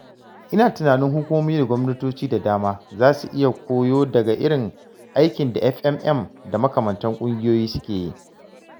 Ina tunanin hukumomi da gwamnatoci da dama za su iya koyo daga irin aikin da FMM da makamantan ƙungiyoyi suke yi.